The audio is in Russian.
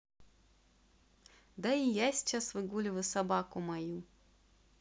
да и я сейчас выгуливаю собаку мою